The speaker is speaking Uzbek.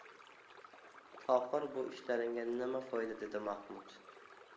tohir bu ishlaringdan nima foyda dedi mahmud